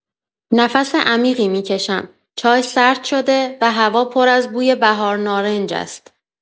نفس عمیقی می‌کشم، چای سرد شده و هوا پر از بوی بهارنارنج است.